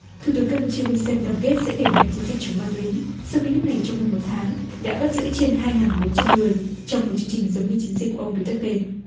thủ tướng cam pu chia hun sen cam kết sẽ đẩy mạnh chiến dịch chống ma túy sau khi nước này trong hơn một tháng đã bắt giữ trên hai ngàn bốn trăm người trong một chương trình giống như chiến dịch của ông đu téc tê